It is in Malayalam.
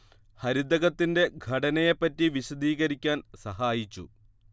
ഹരിതകത്തിന്റെ ഘടനയെ പറ്റി വിശദീകരിക്കാൻ സഹായിച്ചു